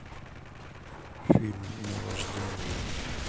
фильм наваждение